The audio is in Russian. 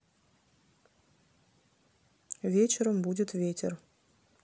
вечером будет ветер